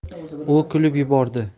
u kulib yubordi